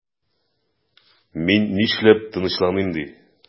Мин нишләп тынычланыйм ди?